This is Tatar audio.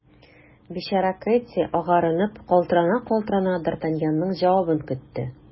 Бичара Кэтти, агарынып, калтырана-калтырана, д’Артаньянның җавабын көтте.